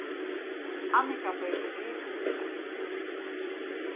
annika fer til rituvíkar